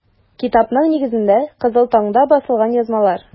Китапның нигезендә - “Кызыл таң”да басылган язмалар.